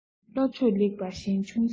བློ གྲོས ལེགས པ གཞན འབྱུང སྲིད